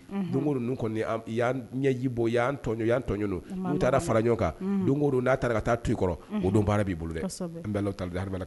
Don kɔni ɲɛji bɔ yanan tɔ yan tɔj n taara fara ɲɔgɔn kan'a taara ka taa to i kɔrɔ o don baara b'i bolo dɛ la ha